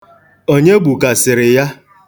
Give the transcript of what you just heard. Onye gbukasịrị ya?